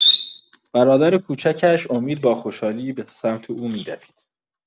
برادر کوچکش، امید، با خوشحالی به سمت او می‌دوید.